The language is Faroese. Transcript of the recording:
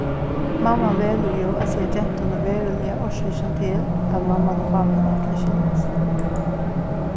mamman velur jú at siga gentuni veruliga orsøkina til at mamman og pápin ætla at skiljast